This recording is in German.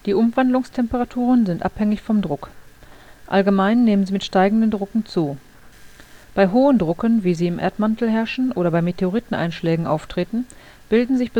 Umwandlungstemperaturen sind abhängig vom Druck. Allgemein nehmen sie mit steigenden Drucken zu. Bei hohen Drucken, wie sie im Erdmantel herrschen oder bei Meteoriteneinschlägen auftreten bilden sich